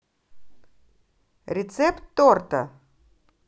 рецепт торта